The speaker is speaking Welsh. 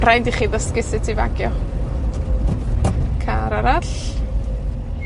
rhaid i chi ddysgu sut ti fagio. Car arall.